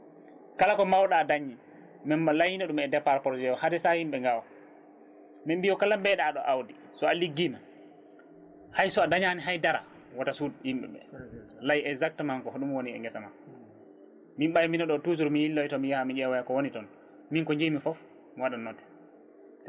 kala ko mbawɗa daañ min mi layino ɗum e départ projet haade saah yimɓe gawa min mbi ko kala meɗaɗo awdi so a ligguima hayso a dañani haydara wooto suud yimɓeɓe laay exactement ko hoɗum woni e guesa ma min ɓay mbiɗa ɗo toujours mi yirloyto mi yaaha mi ƴewoya ko woni toon min ko jiimi foof mi waɗat noté